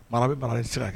Mara bɛ bana ni se kɛ